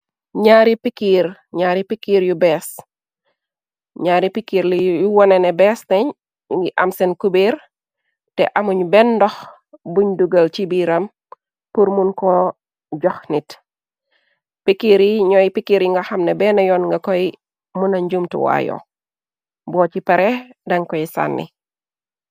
Naari pikkiir , ñaari pikkiir yu bees, ñaari pikkiir li yu wone ne bees na ngi am seen kubeer te amuñ benn ndox buñ dugal ci biiram pur mun ko jox nit. Pikkiir yi ñooy pikkiir yi nga xamne benn yoon nga koy mu na njumtu waayo, boo ci pare dan koy sànni.